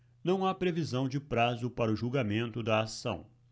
não há previsão de prazo para o julgamento da ação